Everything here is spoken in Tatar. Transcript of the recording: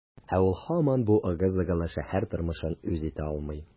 Ә ул һаман бу ыгы-зыгылы шәһәр тормышын үз итә алмый.